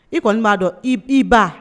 I kɔni b'a dɔn i ba